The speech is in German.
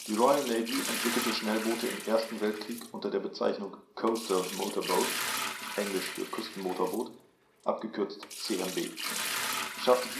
Royal Navy entwickelte Schnellboote im Ersten Weltkrieg unter der Bezeichnung Coastal Motor Boat (engl. für Küstenmotorboot) abgekürzt CMB, schaffte